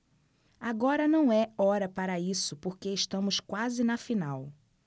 agora não é hora para isso porque estamos quase na final